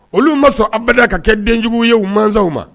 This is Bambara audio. Olu ma sɔn an bɛɛ ka kɛ denjugu ye masaw ma